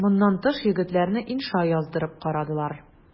Моннан тыш егетләрне инша яздырып карадылар.